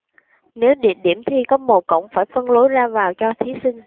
nếu địa điểm thi có một cổng phải phân lối ra vào cho thí sinh